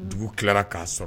Dugu tila k'a sɔrɔ